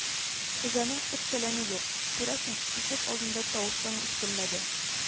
Хуҗаның эт-фәләне юк, күрәсең, ишек алдында тавыш-тын ишетелмәде